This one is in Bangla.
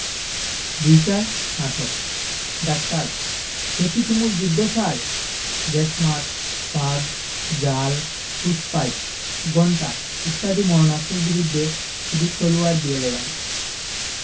২৪ নাটক ডাক্তার সেকি তুমুল যুদ্ধ স্যার গ্যাস মাক্স ফাঁদ জাল হোস পাইপ ঘণ্টা ইত্যাদি মরণাস্ত্রের বিরুদ্ধে শুধু তলোয়ার দিয়ে লড়াই